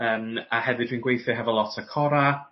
yym a hefyd dwi'n gweithio hefo lot o cora.